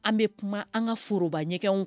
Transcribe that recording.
An bɛ kuma an ka foroba ɲɛgɛnw